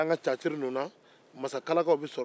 masakalakaw bɛ yen